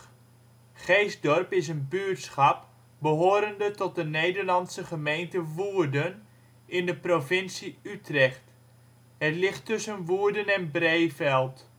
buurtschap behorende tot de Nederlandse gemeente Woerden, in de provincie Utrecht. Het ligt tussen Woerden en Breeveld